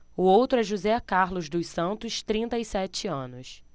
o outro é josé carlos dos santos trinta e sete anos